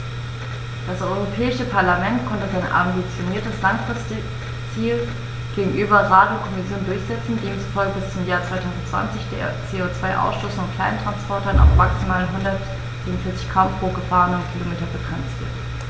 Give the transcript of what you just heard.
Das Europäische Parlament konnte sein ambitioniertes Langfristziel gegenüber Rat und Kommission durchsetzen, demzufolge bis zum Jahr 2020 der CO2-Ausstoß von Kleinsttransportern auf maximal 147 Gramm pro gefahrenem Kilometer begrenzt wird.